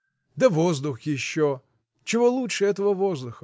Да воздух еще: чего лучше этого воздуха?